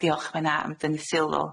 Diolch Mena am dynny sylw.